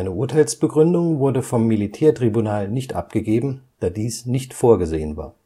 Urteilsbegründung wurde vom Militärtribunal nicht abgegeben, da dies nicht vorgesehen war